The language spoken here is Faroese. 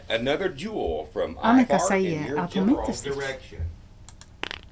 annika segði at hon mintist ikki